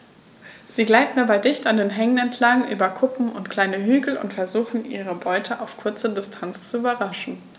Sie gleiten dabei dicht an Hängen entlang, über Kuppen und kleine Hügel und versuchen ihre Beute auf kurze Distanz zu überraschen.